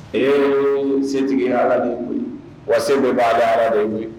Ee setigi ye ala de ye koyi, wa se bɛɛ bɛ ale ala de ye koyi!